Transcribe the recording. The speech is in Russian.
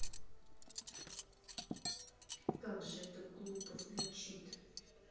как же это глупо звучит